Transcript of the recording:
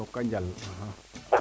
njoko njal axa